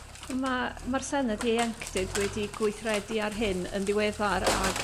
Ma' ma'r senedd ieuenctid wedi gweithredu ar hyn yn ddiweddar ag